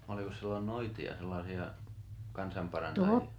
olikos silloin noitia sellaisia kansanparantajia